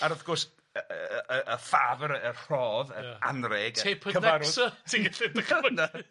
Ag wrth gwrs yy yy y y ffafr yy y rhodd yr anreg ia... Tapered neck sir? Ti'n gallu dychymyg 'na.